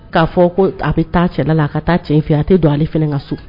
Ka fɔ ko a be taa a cɛla la a ka taa cɛ fe ye a te don ale fɛnɛ ŋa so